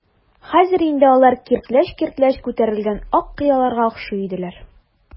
Хәзер инде алар киртләч-киртләч күтәрелгән ак кыяларга охшый иделәр.